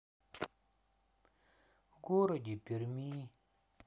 в городе перми